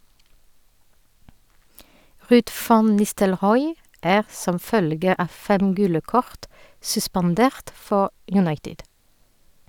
Ruud van Nistelrooy er, som følge av fem gule kort, suspendert for United.